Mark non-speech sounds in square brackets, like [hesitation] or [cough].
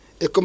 [hesitation] [hesitation]